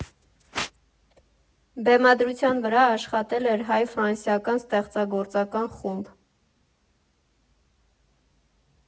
Բեմադրության վրա աշխատել էր հայ֊ֆրանսիական ստեղծագործական խումբ։